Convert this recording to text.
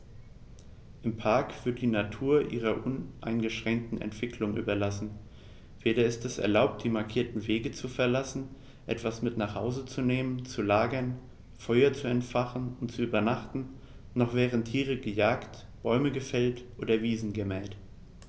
Im Park wird die Natur ihrer uneingeschränkten Entwicklung überlassen; weder ist es erlaubt, die markierten Wege zu verlassen, etwas mit nach Hause zu nehmen, zu lagern, Feuer zu entfachen und zu übernachten, noch werden Tiere gejagt, Bäume gefällt oder Wiesen gemäht.